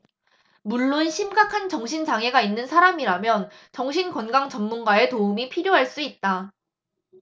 물론 심각한 정신 장애가 있는 사람이라면 정신 건강 전문가의 도움이 필요할 수 있다